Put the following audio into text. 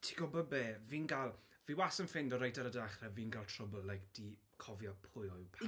Ti'n gwybod be, fi'n gael... fi wastad yn ffeindio reit ar y dechrau, fi'n cael trwbl like di cofio pwy yw pawb.